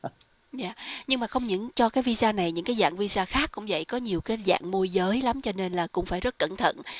nhưng nhưng mà không những cho các vi da này những cái dạng vi da khác cũng vậy có nhiều dạng môi giới lắm cho nên là cũng phải rất cẩn thận